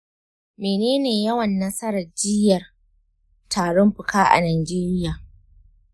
mene ne yawan nasarar jiyyar tarin fuka a najeriya?